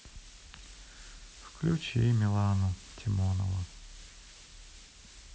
включи милану тимонову